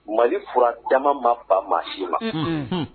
Mali furadama ma ba maa si ma unhun